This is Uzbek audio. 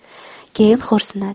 keyin xo'rsinadi